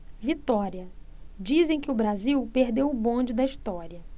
vitória dizem que o brasil perdeu o bonde da história